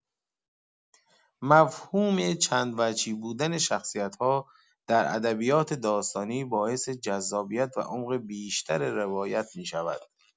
مفهوم چندوجهی بودن شخصیت‌ها در ادبیات داستانی باعث جذابیت و عمق بیشتر روایت می‌شود.